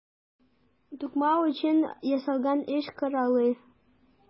Тукмау өчен ясалган эш коралы.